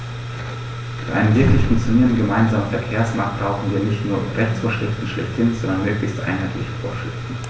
Für einen wirklich funktionierenden gemeinsamen Verkehrsmarkt brauchen wir nicht nur Rechtsvorschriften schlechthin, sondern möglichst einheitliche Vorschriften.